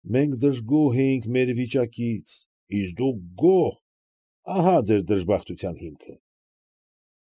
Մենք դժգոհ էինք մեր վիճակից, իսկ դուք գոհ, ահա՛ ձեր դժբախտության հիմքը։